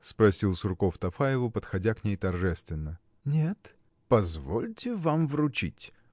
– спросил Сурков Тафаеву, подходя к ней торжественно. – Нет. – Позвольте вам вручить!